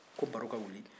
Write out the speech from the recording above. ko baro ka wuli